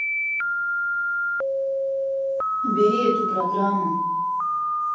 убери эту программу